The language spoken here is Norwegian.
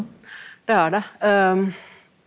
det er det .